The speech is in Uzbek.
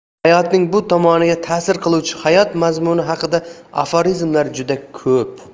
hayotning bu tomoniga ta'sir qiluvchi hayot mazmuni haqidagi aforizmlar juda ko'p